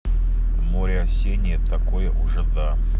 море осеннее такое уже да